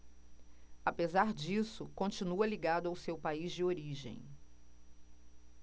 apesar disso continua ligado ao seu país de origem